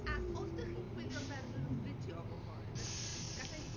A os dach chi'n gwylio fersiwn fideo o hwn gallai...